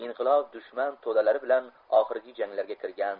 inqilob dushman to'dalari bilan oxirgi janglarga kirgan